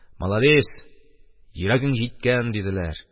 «молодец, йөрәгең җиткән», – диләр.